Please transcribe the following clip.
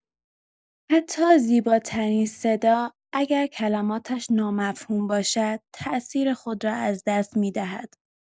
حتی زیباترین صدا، اگر کلماتش نامفهوم باشد، تاثیر خود را از دست می‌دهد.